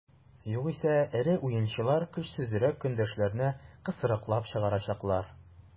Югыйсә эре уенчылар көчсезрәк көндәшләрне кысрыклап чыгарачаклар.